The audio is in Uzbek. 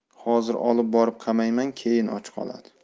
hozir olib borib qamayman keyin och qoladi